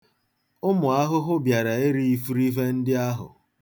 ̣Ụmụ ahụhụ bịara iri ifirife ndị ahụ.